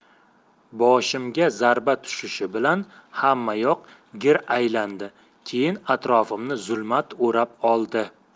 boshimga zarba tushishi bilan hammayoq gir aylandi keyin atrofimni zulmat o'rab oldi